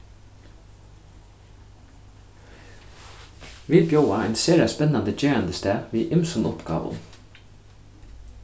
vit bjóða ein sera spennandi gerandisdag við ymsum uppgávum